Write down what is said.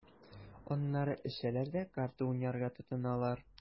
Аннары эчәләр дә карта уйнарга тотыналар.